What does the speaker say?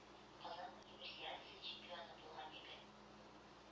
Казан Универсиадасы чемпионы булган егет!